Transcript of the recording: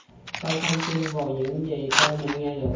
tôi không tin vào những gì tai mình nghe được